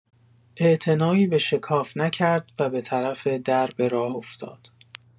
اعتنایی به شکاف نکرد و به‌طرف در به راه افتاد.